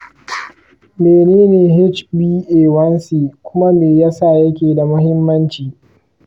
mene ne hba1c kuma me yasa yake da muhimmanci?